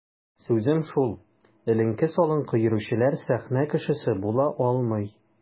Сүзем шул: эленке-салынкы йөрүчеләр сәхнә кешесе була алмый.